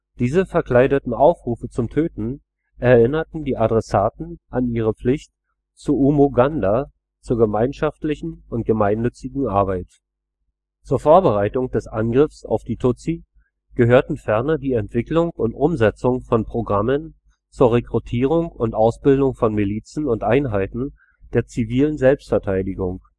Diese verkleideten Aufrufe zum Töten erinnerten die Adressaten an ihre Pflicht zur umuganda, zur gemeinschaftlichen und gemeinnützigen Arbeit. Zur Vorbereitung des Angriffs auf die Tutsi gehörten ferner die Entwicklung und Umsetzung von Programmen zur Rekrutierung und Ausbildung von Milizen und Einheiten der „ zivilen Selbstverteidigung